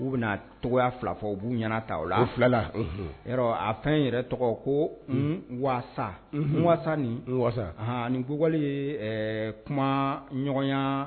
U' bɛna tɔgɔya fila fɔ u b'u ɲɛna ta o la an filala a fɛn yɛrɛ tɔgɔ ko walasa walasa ni walasa ni koli ɛɛ kuma ɲɔgɔnya